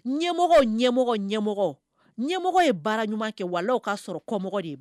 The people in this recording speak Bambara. Ɲɛmɔgɔ ɲɛmɔgɔ ɲɛmɔgɔ ɲɛmɔgɔ ye baara ɲuman kɛ walahi o kaa sɔrɔ kɔmɔgɔ de